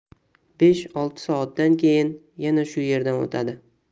besh olti soatdan keyin yana shu yerdan o'tadi